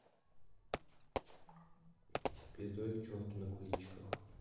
пиздой к черту на куличиках